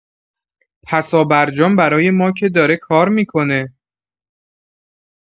پسابرجام برای ما که داره کار می‌کنه.